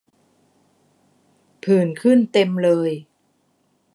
ผื่นขึ้นเต็มเลย